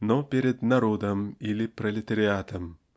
но перед "народом" или "пролетариатом".